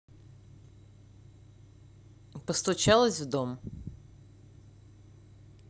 постучалась в дом